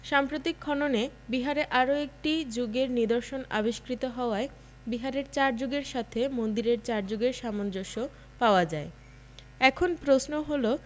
সাম্প্রতিক খননে বিহারে আরও একটি যুগের নিদর্শন আবিষ্কৃত হওয়ায় বিহারের ৪ যুগের সাথে মন্দিরের ৪ যুগের সামঞ্জস্য পাওয়া যায় এখন প্রশ্ন হলো